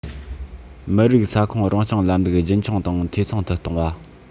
མི རིགས ས ཁོངས རང སྐྱོང ལམ ལུགས རྒྱུན འཁྱོངས དང འཐུས ཚང དུ གཏོང བ